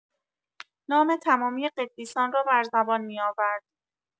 نام تمامی قدیسان را بر زبان می‌آورد.